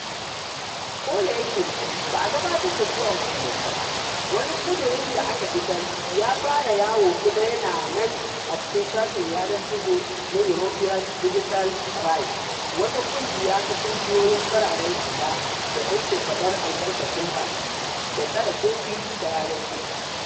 Ko da yake ba a gabatar da su a hukumance ba, wani ƙudurin da aka fitar ya fara yawo kuma yana nan a cikin shafin yanar gizo na European Digital Rights, wata ƙungiya ta ƙungiyoyin fararen hula da 'yancin faɗar albarkacin baki da tsare sirri ta yanar gizo.